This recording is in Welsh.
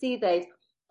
...di ddeud